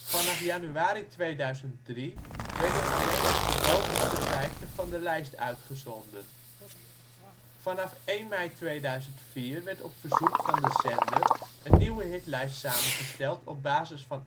Vanaf januari 2003 werden alleen nog de bovenste 50 van de lijst uitgezonden. Vanaf 1 mei 2004 werd op verzoek van de zender een nieuwe hitlijst samengesteld op basis van